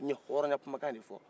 n ye hɔrɔnyakumakan de fɔ